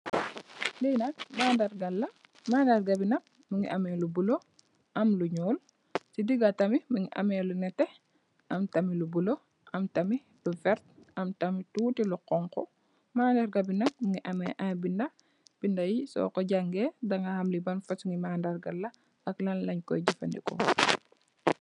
Li nak mandarga la mandarga bi nak mungi ame lu bula am lu njul ci digae bi mungi am lu nete am tamit lu wert am toti lu xonxu mandarga bi nak mungi am ay binda binda Yi nak soko jange dinga can li ban fasongngi madargala ak lunu koi defe